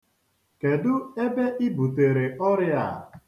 Kedu ebe i butere ọrịa a?